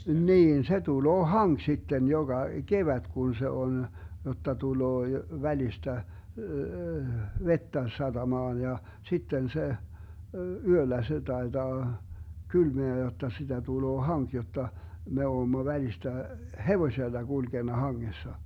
niin se tulee hanki sitten joka kevät kun se on jotta tulee välistä vettä satamaan ja sitten se yöllä se taitaa kylmää jotta sitä tulee hanki jotta me olemme välistä hevosella kulkenut hangessa